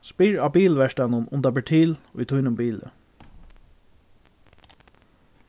spyr á bilverkstaðnum um tað ber til í tínum bili